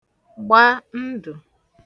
gbà ndụ̀